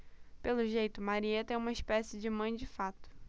pelo jeito marieta é uma espécie de mãe de fato